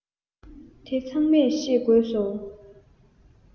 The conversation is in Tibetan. དེ ཚང མས ཤེས དགོས སོ